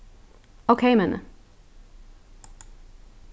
ókey meðni